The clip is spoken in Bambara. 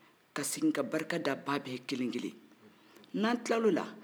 ka segi ka barika da ba bɛɛ kelen-kelen n'an tilala o la